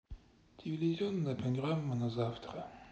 телевизионная программа на завтра